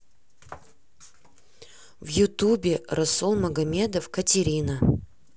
в ютубе расул магомедов катерина